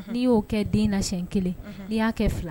N'i y'o kɛ den na siyɛn 1 unhun n'i y'a kɛ 2